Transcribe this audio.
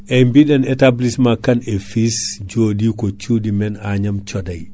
eyyi biɗen établissement Kane et fils jooɗi ko cuuɗimen Agnam Thioday